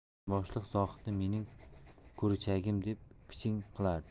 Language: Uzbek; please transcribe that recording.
boshliq zohidni mening ko'richagim deb piching qilardi